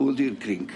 Pw di'r crinc?